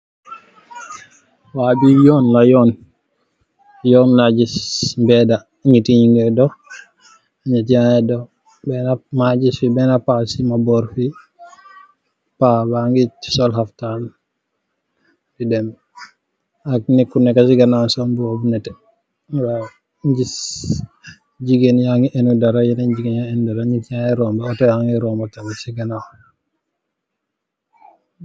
Waa bi yoon la, yoon yoon naajis beeda niti ñi ngay dox. Majis fi benn a pa ci ma boor fi pa ba ngi sol haftan bi dem ak nekku nekka ci gana sol booba bu nete. Wa jis jigeen ya ngi inu dara yenen jigéena indra nit yanyay romba ato ya ngi roma tami ci gana.